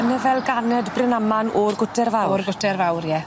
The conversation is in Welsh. Dyna fel ganed Bryn Aman o'r Gwter Fawr? O'r Gwter Fawr ie.